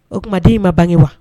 O tuma den in ma bange wa